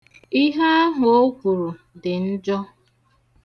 Ihe ahụ o kwuru dị njọ.